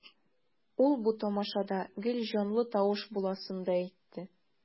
Ул бу тамашада гел җанлы тавыш буласын да әйтте.